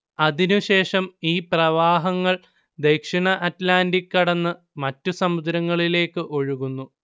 അതിനുശേഷം ഈ പ്രവാഹങ്ങൾ ദക്ഷിണ അറ്റ്ലാന്റിക് കടന്ന് മറ്റു സമുദ്രങ്ങളിലേക്ക് ഒഴുകുന്നു